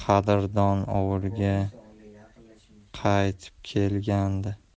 qadrdon ovulga qaytib kelgandi